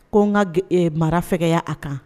Ko n ka mara fɛya a kan